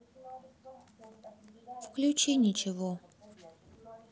включи ничего